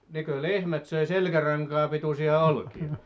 nekö lehmät söi selkärankaa pituisia olkia